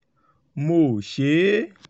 Mo ò ṣé ééé.”